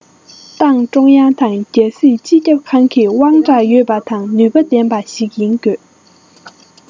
ཏང ཀྲུང དབྱང དང རྒྱལ སྲིད སྤྱི ཁྱབ ཁང གི དབང གྲགས ཡོད པ དང ནུས པ ལྡན པ ཞིག ཡིན དགོས